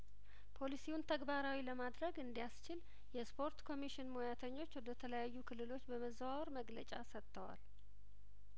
ፖሊሲውን ተግባራዊ ለማድረግ እንዲ ያስችል የስፖርት ኮሚሽን ሙያተኞች ወደ ተለያዩ ክልሎች በመዘዋወር መግለጫ ሰጥተዋል